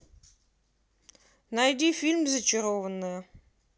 найди фильм зачарованная